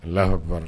Ala ka baara